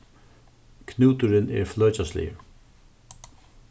knúturin er fløkjasligur